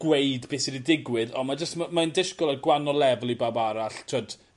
gweud be' sy 'di digwydd ond ma' jyst my- mae'n disgwyl ar gwanol lefel i bawb arall t'wod